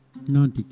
noon tigui